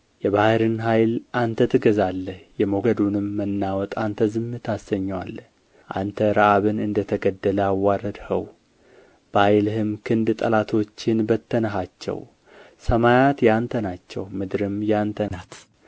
የባሕርን ኃይል አንተ ትገዛለህ የሞገዱንም መናወጥ አንተ ዝም ታሰኘዋለህ አንተ ረዓብን እንደ ተገደለ አዋረድኸው በኃይልህም ክንድ ጠላቶችህን በተንሃቸው ሰማያት የአንተ ናቸው ምድርም የአንተ ናት